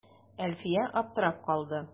Әлфия аптырап калды.